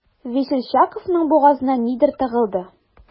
Весельчаковның бугазына нидер тыгылды.